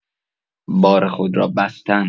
بار خود را بستن